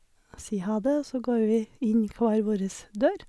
Og sier ha det, og så går vi inn hver vårres dør.